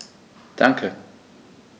Danke.